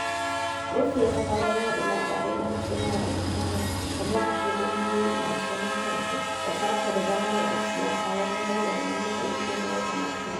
Rufe kafafen yaɗa labarai da muzgunawa 'yan adawa da murƙushe ƙungiyoyi masu zaman kansu da takura damar 'yan siyasa wajen bayyana wani matsayi ko mayar da martani.